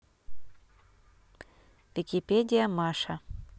википедия маша